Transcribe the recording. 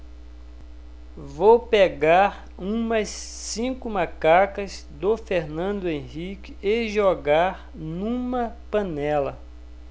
vou pegar umas cinco macacas do fernando henrique e jogar numa panela